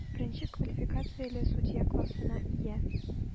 Беренче квалификацияле судья классына ия.